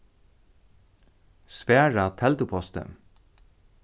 svara telduposti